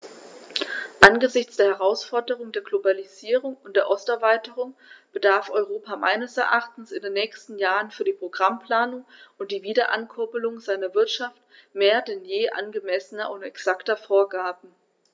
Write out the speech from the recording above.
Angesichts der Herausforderung der Globalisierung und der Osterweiterung bedarf Europa meines Erachtens in den nächsten Jahren für die Programmplanung und die Wiederankurbelung seiner Wirtschaft mehr denn je angemessener und exakter Vorgaben.